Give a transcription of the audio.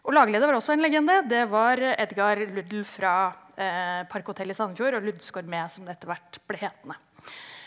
og lagleder var også en legende, det var Edgar Ludl fra Park hotell i Sandefjord og Ludls Gourmet som det etter hvert ble hetende.